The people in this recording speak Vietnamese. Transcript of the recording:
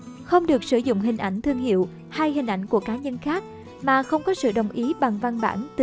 không được sử dụng hình ảnh thương hiệu hay hình ảnh của cá nhân khác mà không có sự đồng ý bằng văn bản từ đối tượng